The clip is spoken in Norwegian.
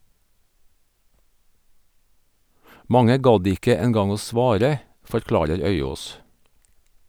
Mange gadd ikke engang å svare, forklarer Øyaas.